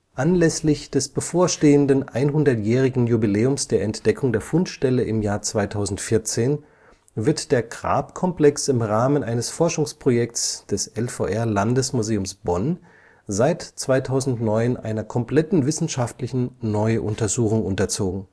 Anlässlich des bevorstehenden 100-jährigen Jubiläums der Entdeckung der Fundstelle im Jahr 2014 wird der Grabkomplex im Rahmen eines Forschungsprojekts des LVR-Landesmuseums Bonn seit 2009 einer kompletten wissenschaftlichen Neuuntersuchung unterzogen